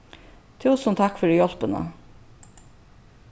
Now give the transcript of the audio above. túsund takk fyri hjálpina